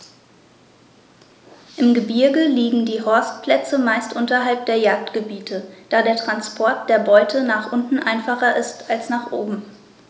Im Gebirge liegen die Horstplätze meist unterhalb der Jagdgebiete, da der Transport der Beute nach unten einfacher ist als nach oben.